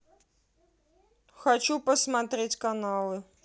хочу посмотреть каналы